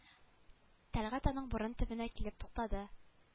Тәлгат аның борын төбенә килеп туктады